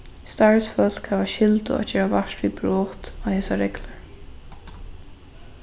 starvsfólk hava skyldu at gera vart við brot á hesar reglur